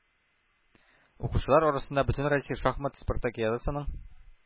Укучылар арасында бөтенроссия шахмат спартакиадасының